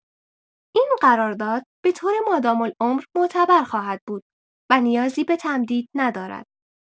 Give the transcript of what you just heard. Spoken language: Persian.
این قرارداد به‌طور مادام‌العمر معتبر خواهد بود و نیازی به تمدید ندارد.